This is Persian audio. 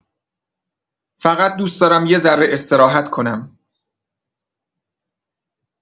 فقط دوست دارم یه ذره استراحت کنم.